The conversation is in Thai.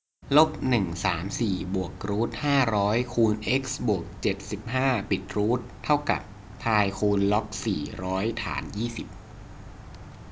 ลบหนึ่งสามสี่บวกรูทห้าร้อยคูณเอ็กซ์บวกเจ็ดสิบห้าปิดรูทเท่ากับพายคูณล็อกสี่ร้อยฐานยี่สิบ